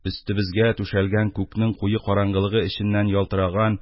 Өстебезгә түшәлгән күкнең куе караңгылыгы эченнән ялтыраган